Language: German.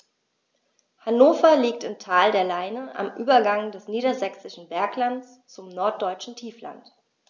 Hannover liegt im Tal der Leine am Übergang des Niedersächsischen Berglands zum Norddeutschen Tiefland.